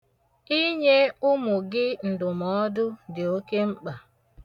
Inye ụmụ gị ǹdụ̀mọọdụ dị oke mkpa.